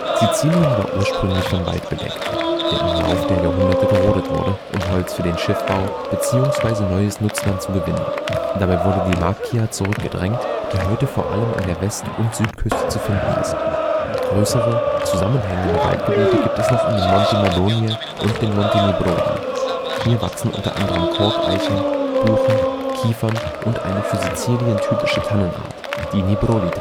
Sizilien war ursprünglich von Wald bedeckt, der im Lauf der Jahrhunderte gerodet wurde, um Holz für den Schiffbau beziehungsweise neues Nutzland zu gewinnen. Dabei wurde die Macchia zurückgedrängt, die heute vor allem an der West - und Südküste zu finden ist. Größere, zusammenhängende Waldgebiete gibt es noch in den Monti Madonie und den Monti Nebrodi. Hier wachsen unter anderem Korkeichen, Buchen, Kiefern und eine für Sizilien typische Tannenart, die Nebrodi-Tanne